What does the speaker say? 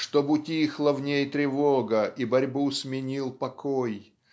Чтоб утихла в ней тревога И борьбу сменил покой